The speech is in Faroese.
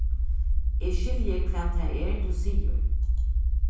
eg skilji hvat tað er tú sigur